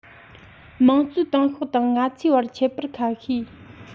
དམངས གཙོའི ཏང ཤོག དང ང ཚོའི བར ཁྱད པར ཁ ཤས